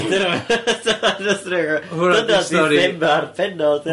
Hwnna 'di'r stori... Hwnna 'di thema'r pennod ia.